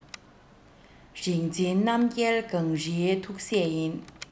རིག འཛིན རྣམ རྒྱལ གངས རིའི ཐུགས སྲས ཡིན